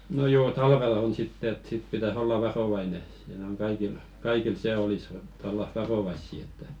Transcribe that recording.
no joo talvella on sitten että sitten pitäisi olla varovainen siinä on kaikilla kaikilla se olisi että olla varovaisia että